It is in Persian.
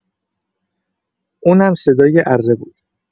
اونم صدای اره بود.